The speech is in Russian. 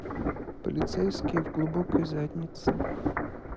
полицейские в глубокой заднице